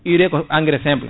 urée ko engrais simple